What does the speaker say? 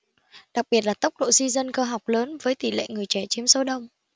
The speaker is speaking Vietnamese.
đặc biệt là tốc độ di dân cơ học lớn với tỉ lệ người trẻ chiếm số đông